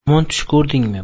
yomon tush ko'rdingmi